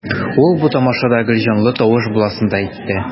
Ул бу тамашада гел җанлы тавыш буласын да әйтте.